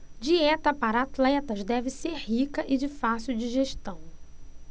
dieta para atletas deve ser rica e de fácil digestão